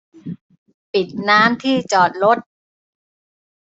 ปิดน้ำที่จอดรถ